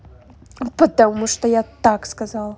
потому что я так сказал